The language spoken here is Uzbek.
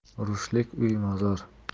urushlik uy mozor